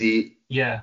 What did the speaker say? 'Di-... Ie.